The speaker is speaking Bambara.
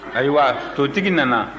ayiwa totigi nana